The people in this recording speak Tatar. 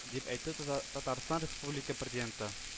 Дип әйтте татар татарстан республика президенты